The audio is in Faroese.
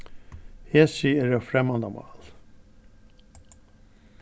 hesi eru fremmandamál